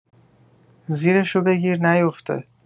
زیرشو بگیر نیوفته